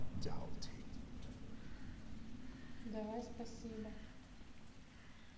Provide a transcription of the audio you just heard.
давай спасибо